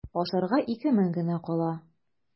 Ашарга ике мең генә кала.